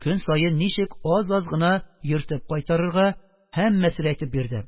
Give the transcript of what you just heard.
Көн саен ничек аз-аз гына йөртеп кайтарырга - һәммәсен әйтеп бирде.